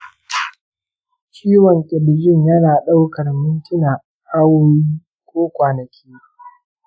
ciwon ƙirjin yana ɗaukar mintina, awowi, ko kwanaki?